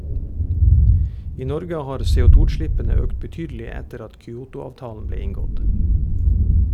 I Norge har CO2-utslippene økt betydelig etter at Kyoto-avtalen ble inngått.